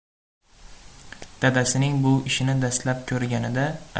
dadasining bu ishini dastlab ko'rganida